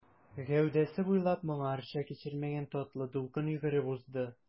Гәүдәсе буйлап моңарчы кичермәгән татлы дулкын йөгереп узды.